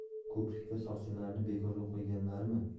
ha axir ko'prikka soqchilarni bekorga qo'yganlarmi